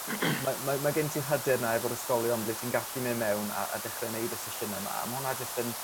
...mae mae mae gen ti'r hyder 'na efo'r ysgolion ble ti'n gallu myn' mewn a a dechre neud y sesiyne 'ma a ma' wnna jyst yn